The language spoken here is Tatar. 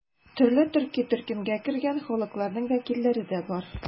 Төрле төрки төркемгә кергән халыкларның вәкилләре дә бар.